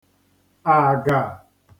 àgà